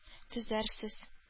Төзәрсез